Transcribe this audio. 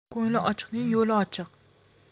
ko'ngli ochiqning yo'li ochiq